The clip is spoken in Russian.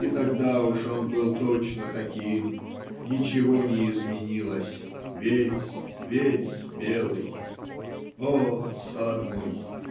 и тогда уж он был точно таким ничего не изменилось. Весь, весь белый. О, сад мой!.